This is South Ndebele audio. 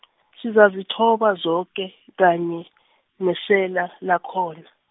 sizazithola zoke, kanye, nesela, lakhona.